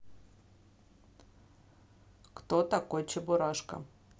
кто такой чебурашка